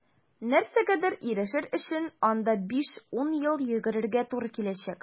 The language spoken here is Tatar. Нәрсәгәдер ирешер өчен анда 5-10 ел йөгерергә туры киләчәк.